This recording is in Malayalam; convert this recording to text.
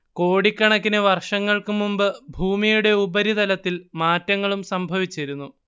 കോടിക്കണക്കിനു വർഷങ്ങൾക്കു മുൻപ് ഭൂമിയുടെ ഉപരിതലത്തിൽ മാറ്റങ്ങളും സംഭവിച്ചിരുന്നു